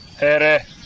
hɛrɛ